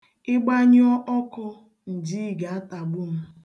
Ị gbanyụọ ọkụ, njiii ga-atagbu m.